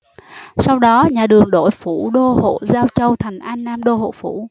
sau đó nhà đường đổi phủ đô hộ giao châu thành an nam đô hộ phủ